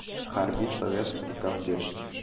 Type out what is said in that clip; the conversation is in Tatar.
Хәрби совет приказ бирә.